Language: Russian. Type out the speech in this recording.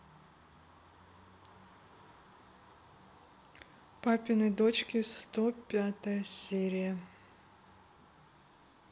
папины дочки сто пятая серия